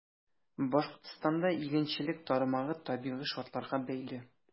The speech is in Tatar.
Башкортстанда игенчелек тармагы табигый шартларга бәйле.